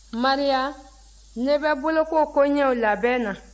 maria ne bɛ boloko koɲɛw labɛn na